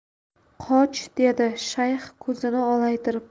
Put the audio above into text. qoch dedi shayx ko'zini olaytirib